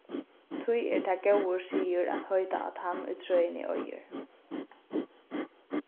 tí er tað góður siður at heita á tann ið trøini eigur